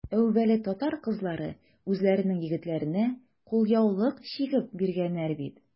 Әүвәле татар кызлары үзләренең егетләренә кулъяулык чигеп биргәннәр бит.